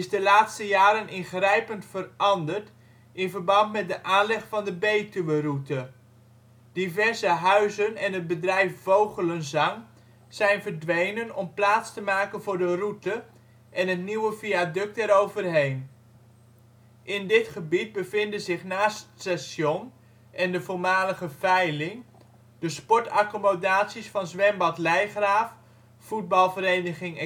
de laatste jaren ingrijpend veranderd in verband met de aanleg van de Betuweroute. Diverse huizen en het bedrijf Vogelenzang zijn verdwenen om plaats te maken voor de Route en het nieuwe viaduct eroverheen. In dit gebied bevinden zich naast het station en de voormalige veiling, de sportaccommodaties van zwembad Leygraaf, voetbalvereniging